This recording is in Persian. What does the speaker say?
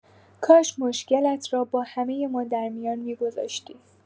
کاش مشکلت را با همه ما در میان می‌گذاشتی.